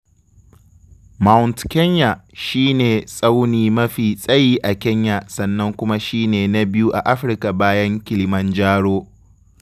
Mount Kenya shi ne tsauni mafi tsayi a Kenya sannan kuma shi ne na biyu a Afirka bayan Kilimanjaro.